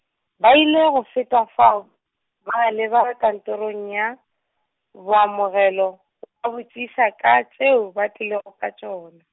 ba ile go feta fao, ba leba kantorong ya, boamogelo , ka botšiša ka tšeo ba tlilego ka tšona.